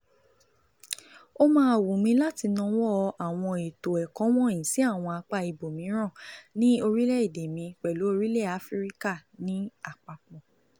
Ó máa wù mí láti nawọ́ àwọn ètò ẹ̀kọ́ wọ̀nyìí sí àwọn apá ibòmìíràn ní orílẹ̀-èdè mi pẹ̀lú orílẹ̀ Áfíríkà ní àpapọ̀.